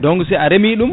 donc si a reemi ɗum